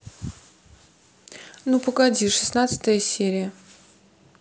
ну погоди шестнадцатая серия